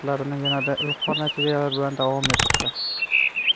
yanada ilg'or natijalar bilan davom ettirdi